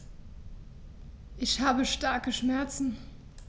Ich habe starke Schmerzen.